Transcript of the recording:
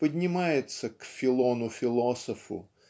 поднимается к Филону-философу